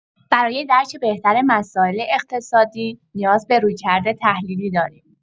برای درک بهتر مسائل اقتصادی، نیاز به رویکرد تحلیلی داریم.